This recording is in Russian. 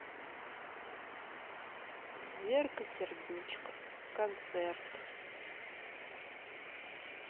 верка сердючка концерт